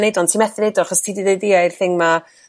neud ond ti methu neud o achos ti di d'eud ia i'r thing 'ma